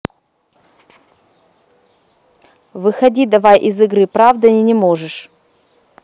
выходи давай из игры правда и не можешь